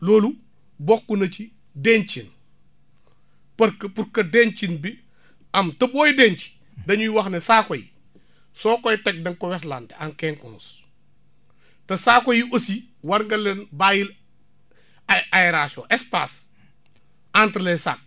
loolu bokk na ci denc parce que pour que dencin bi am te booy denc dañuy wax ne saako yi soo koy teg da nga ko wesdlante en * te saako yi aussi war nga leen bàyyil aé aération espace entre les sacs